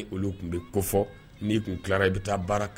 Ni olu tun bɛ ko fɔ n kun tilara i bɛ taa baara kan